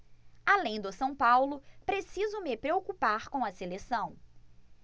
além do são paulo preciso me preocupar com a seleção